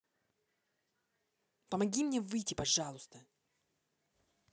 помоги мне выйти пожалуйста